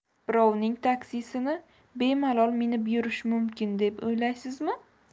birovning taksisini bemalol minib yurish mumkin deb o'ylaysizmi